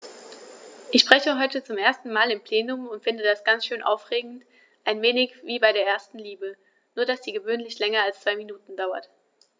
Ich spreche heute zum ersten Mal im Plenum und finde das ganz schön aufregend, ein wenig wie bei der ersten Liebe, nur dass die gewöhnlich länger als zwei Minuten dauert.